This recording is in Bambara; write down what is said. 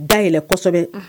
Da yɛlɛɛlɛn kosɛbɛ